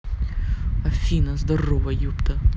афина здарова епта